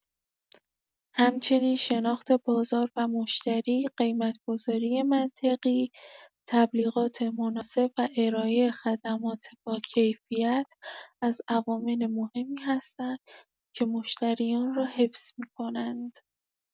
همچنین شناخت بازار و مشتری، قیمت‌گذاری منطقی، تبلیغات مناسب و ارائه خدمات باکیفیت از عوامل مهمی هستند که مشتریان را حفظ می‌کنند.